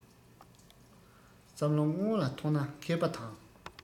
བསམ བློ སྔོན ལ ཐོངས ན མཁས པ དང